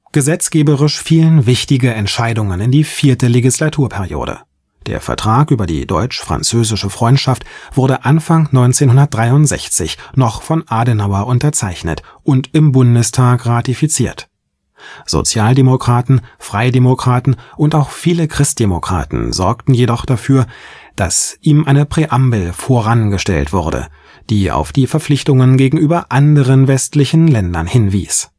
Gesetzgeberisch fielen wichtige Entscheidungen in die vierte Legislaturperiode: Der Vertrag über die Deutsch-französische Freundschaft wurde Anfang 1963 noch von Adenauer unterzeichnet und im Bundestag ratifiziert. Sozialdemokraten, Freidemokraten und auch viele Christdemokraten sorgten jedoch dafür, dass ihm eine Präambel vorangestellt wurde, die auf die Verpflichtungen gegenüber anderen westlichen Ländern hinwies